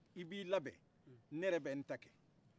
i b'i labɛn ne yɛrɛ bɛ nta kɛ